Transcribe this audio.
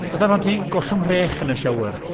Fatha pan ti'n gollwng rhech yn y shower.